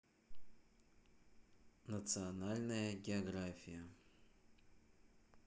национальная география